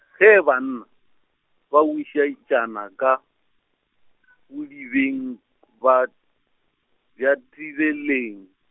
hei banna, ba wišetšana ka , bodibeng , ba, bja thibeleng.